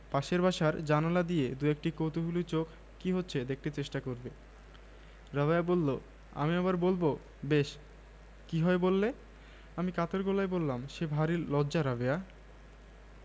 সংগৃহীত দৈনিক ইত্তেফাক ৩১ জুলাই ২০১৭ ইংরেজি ১৭ টা ৬ মিনিট